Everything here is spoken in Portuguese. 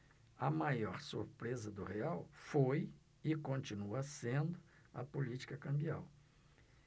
a maior surpresa do real foi e continua sendo a política cambial